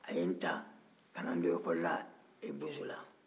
a ye n taa ka na n don ɛkɔli la ɛ bozola